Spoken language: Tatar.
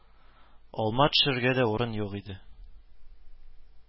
Алма төшәргә дә урын юк иде